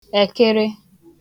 èkịrị